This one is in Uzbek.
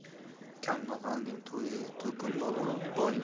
kambag'alning to'yi to'kin bo'lar